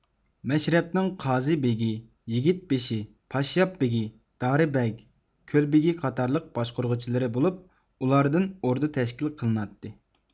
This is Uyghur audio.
مەشرەپنىڭ قازى بېگى يىگىت بېشى پاششاپ بېگى دارىبەگ كۆلبېگى قاتارلىق باشقۇرغۇچىلىرى بولۇپ ئۇلاردىن ئوردا تەشكىل قىلىناتتى